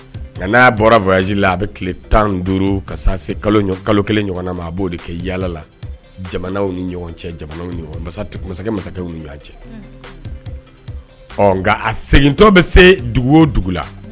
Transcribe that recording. Nka n'a bɔraz la a bɛ tile tan duuru ka se kalo kalo kelen ɲɔgɔn na ma a b'o de kɛ yaala jamanaw ni ɲɔgɔn cɛ ɲɔgɔn ɲɔgɔn cɛ nka a segintɔ bɛ se dugu o dugu la